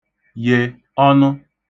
yè ọnụ